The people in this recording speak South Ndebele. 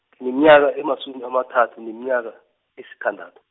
ngineminyaka emasumi amathathu neminyaka, esithandathu.